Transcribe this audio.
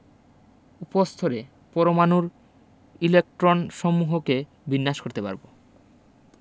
উপস্তরে পরমাণুর ইলেকট্রনসমূহকে বিন্যাস করতে পারব